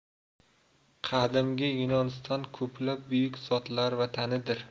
qadimgi yunoniston ko'plab buyuk zotlar vatanidir